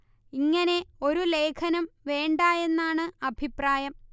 ഇങ്ങനെ ഒരു ലേഖനം വേണ്ട എന്നാണ് അഭിപ്രായം